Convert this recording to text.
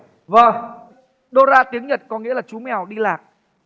vâng đô ra tiếng nhật có nghĩa là chú mèo đi lạc